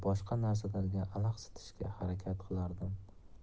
narsalarga alahsitishga harakat qilardim